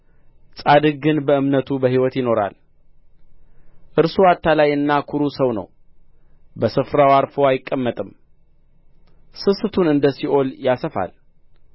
ጻድቅ ግን በእምነቱ በሕይወት ይኖራል እርሱ አታላይና ኵሩ ሰው ነው በስፍራው ዐርፎ አይቀመጥም ስስቱን እንደ ሲኦል ያሰፋል